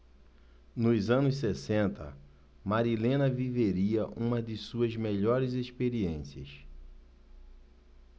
nos anos sessenta marilena viveria uma de suas melhores experiências